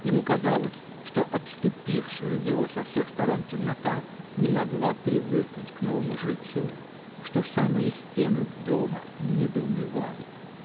ему казалось, что обступившая его со всех сторон темнота не могла привыкнуть к новому жильцу, что самые стены дома недоумевают.